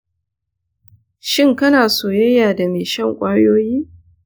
shin kana soyayya da mai shan ƙwayoyi?